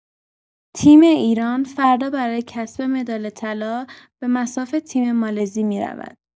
تیم ایران فردا برای کسب مدال طلا به مصاف تیم مالزی می‌رود.